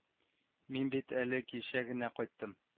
Мин бит әле кичә генә кайттым